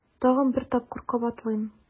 Тагын бер тапкыр кабатлыйм: